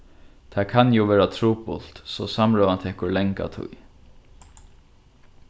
tað kann jú vera trupult so samrøðan tekur langa tíð